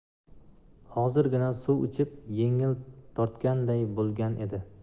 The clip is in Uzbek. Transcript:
hozirgina suv ichib yengil tortganday bo'lgan edi